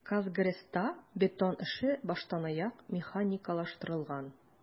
"казгрэс"та бетон эше баштанаяк механикалаштырылган.